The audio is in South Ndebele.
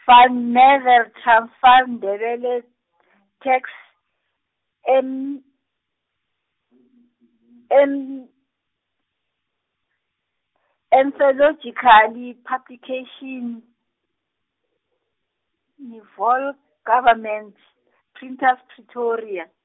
Van merwel- Transvaal Ndebele , texts em- , em-, Ethnological Publication, ngi Vol Government, Printers Pretoria.